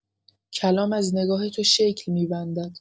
کلام از نگاه تو شکل می‌بندد.